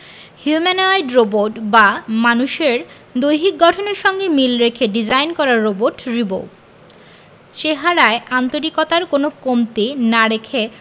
humanoid robot বা মানুষের দৈহিক গঠনের সঙ্গে মিল রেখে ডিজাইন করা রোবট রিবো চেহারায় আন্তরিকতার কোনো কমতি না রেখে